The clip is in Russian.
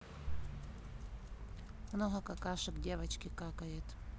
много какашек девочки какакает